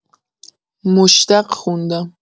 مشتق خوندم